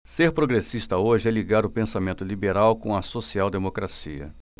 ser progressista hoje é ligar o pensamento liberal com a social democracia